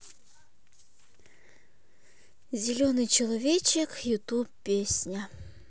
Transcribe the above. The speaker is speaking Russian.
зеленый человек ютуб песня